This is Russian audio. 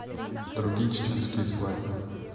другие чеченские свадьбы